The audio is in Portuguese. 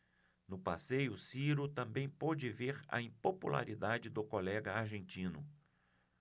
no passeio ciro também pôde ver a impopularidade do colega argentino